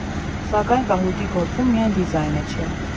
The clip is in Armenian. Սակայն կահույքի գործում միայն դիզայնը չէ։